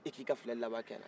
i k'i ka filɛli laban kɛ n na